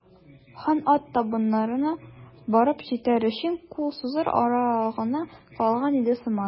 Хан ат табыннарына барып җитәр өчен кул сузыр ара гына калган иде сыман.